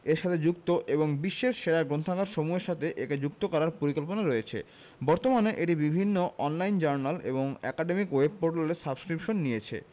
এর সাথে যুক্ত এবং বিশ্বের সেরা গ্রন্থাগারসমূহের সাথে একে যুক্ত করার পরিকল্পনা রয়েছে বর্তমানে এটি বিভিন্ন অন লাইন জার্নাল এবং একাডেমিক ওয়েব পোর্টালের সাবস্ক্রিপশান নিয়েছে